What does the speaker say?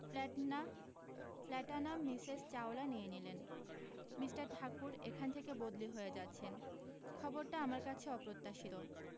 ফ্ল্যাটনা ফ্ল্যাটানা মিসেস চাওলা নিয়ে নিলেন মিষ্টার ঠাকুর এখান থেকে বদলি হয়ে যাচ্ছেন খবরটা আমার কাছে অপ্রত্যাশিত